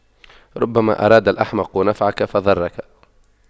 ربما أراد الأحمق نفعك فضرك